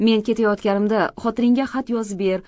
men ketayotganimda xotiningga xat yozib ber